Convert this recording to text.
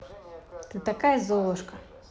ты такая золушка